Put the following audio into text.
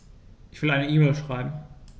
Ich will eine E-Mail schreiben.